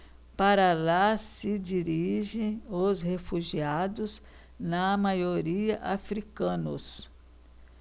para lá se dirigem os refugiados na maioria hútus